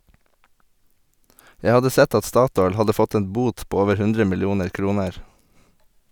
Jeg hadde sett at statoil hadde fått en bot på over 100 millioner kroner.